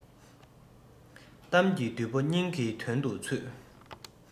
གཏམ གྱི བདུད པོ སྙིང གི དོན དུ ཚུད